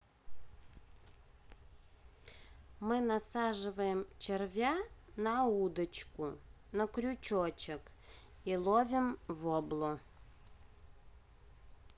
мы насаживаем червя на удочку на крючочек и ловим воблу